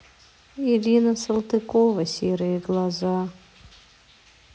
ирина салтыкова серые глаза